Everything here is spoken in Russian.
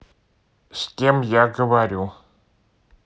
с кем я говорю